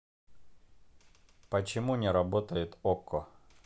почему не работает окко